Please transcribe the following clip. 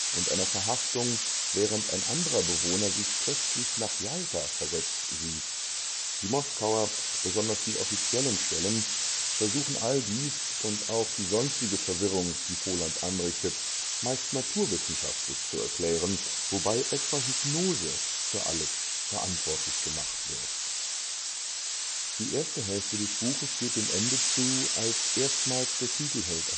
und einer Verhaftung, während ein anderer Bewohner sich plötzlich nach Jalta versetzt sieht. Die Moskauer, besonders die offiziellen Stellen, versuchen all dies und auch die sonstige Verwirrung, die Voland anrichtet, meist naturwissenschaftlich zu erklären, wobei etwa Hypnose für alles verantwortlich gemacht wird. Die erste Hälfte des Buches geht dem Ende zu, als erstmals der Titelheld